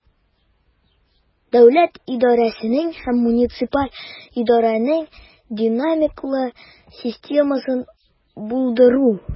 Дәүләт идарәсенең һәм муниципаль идарәнең динамикалы системасын булдыру.